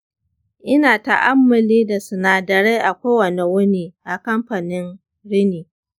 ina ta'amulli da sinadarai a kowane wuni a kamfanin rini